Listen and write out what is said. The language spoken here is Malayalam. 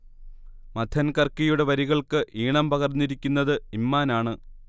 മഥൻ കർക്കിയുടെ വരികൾക്ക് ഈണം പകർന്നിരിക്കുന്നത് ഇമ്മാനാണ്